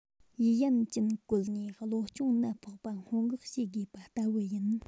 ཡི ཡན ཅིན བཀོལ ནས གློ གཅོང ནད ཕོག པ སྔོན འགོག བྱེད དགོས པ ལྟ བུ ཡིན